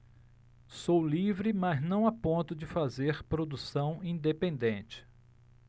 sou livre mas não a ponto de fazer produção independente